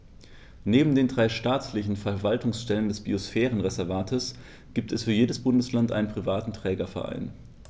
Neben den drei staatlichen Verwaltungsstellen des Biosphärenreservates gibt es für jedes Bundesland einen privaten Trägerverein.